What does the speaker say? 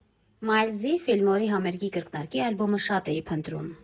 Մայլզի՝ Ֆիլմորի համերգի կրկնակի ալբոմը շատ էի փնտրում։